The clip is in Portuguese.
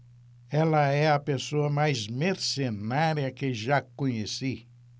ela é a pessoa mais mercenária que já conheci